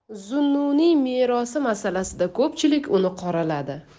zunnuniy merosi masalasida ko'pchilik uni qoraladi